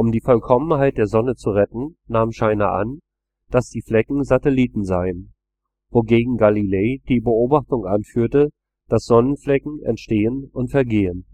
die Vollkommenheit der Sonne zu retten, nahm Scheiner an, dass die Flecken Satelliten seien, wogegen Galilei die Beobachtung anführte, dass Sonnenflecken entstehen und vergehen